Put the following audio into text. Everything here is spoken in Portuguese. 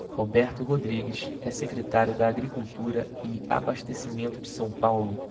roberto rodrigues é secretário da agricultura e abastecimento de são paulo